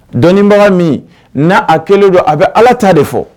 Dɔɔninbaga min n' a kɛlen don a bɛ ala ta de fɔ